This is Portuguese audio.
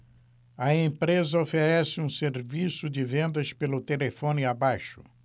a empresa oferece um serviço de vendas pelo telefone abaixo